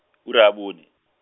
ura a bone.